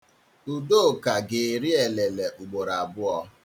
Udoka ga-eri elele ugboro abụọ.